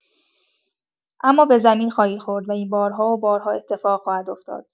اما به زمین خواهید خورد و این بارها و بارها اتفاق خواهد افتاد.